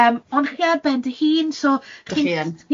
Yym ond chi ar ben dy hun, so... 'Dych chi yn